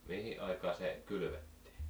mihin aikaan se kylvettiin